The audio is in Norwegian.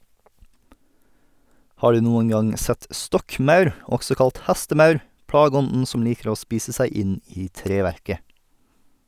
Har du noen gang sett stokkmaur, også kalt hestemaur, plageånden som liker å spise seg inn i treverket?